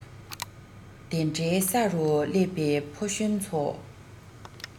དེ འདྲའི ས རུ སླེབས པའི ཕོ གཞོན ཚོ